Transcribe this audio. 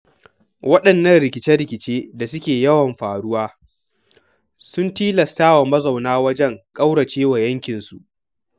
Waɗannan rikice-rikice da suke yawan faruwa sun tilastawa mazauna wajen kauracewa yankinsu